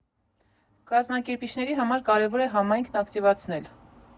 Կազմակերպիչների համար կարևոր է համայնքն ակտիվացնել։